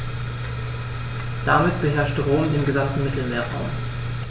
Damit beherrschte Rom den gesamten Mittelmeerraum.